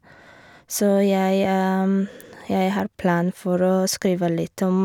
Så jeg jeg har plan for å skrive litt om...